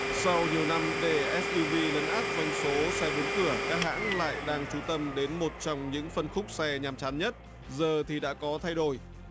sau nhiều năm để ét iu vi lấn át doanh số xe bốn cửa các hãng lại đang chú tâm đến một trong những phân khúc xe nhàm chán nhất giờ thì đã có thay đổi